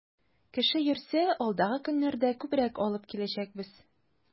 Кеше йөрсә, алдагы көннәрдә күбрәк алып киләчәкбез.